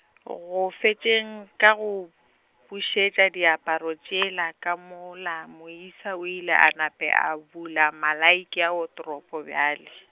go fetšeng ka go , bušetša diaparo tšela ka mola moisa o ile a nape a bula malaiki a watropo bjale.